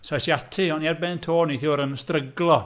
So es i ati, o'n i ar ben tô neithiwr yn stryglo.